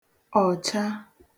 ọ̀cha